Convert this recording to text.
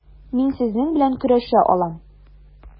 Мин сезнең белән көрәшә алам.